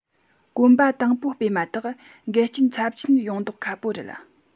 གོམ པ དང པོ སྤོས མ ཐག འགལ རྐྱེན ཚབས ཆེན ཡོང མདོག ཁ པོ རེད